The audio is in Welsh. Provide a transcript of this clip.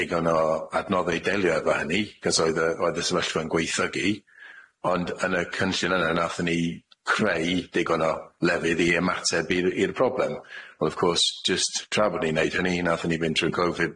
digon o adnodde i delio efo hynny cos oedd y oedd y sefyllfa'n gweithygu ond yn y cynllun yna nathon ni creu digon o lefydd i ymateb i'r i'r problem on' of course jyst tra bod ni'n neud hynny nathon ni mynd trw' Covid,